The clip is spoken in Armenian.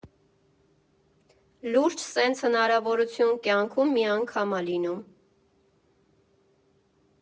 Լուրջ, սենց հնարավորություն կյանքում մի անգամ ա լինում։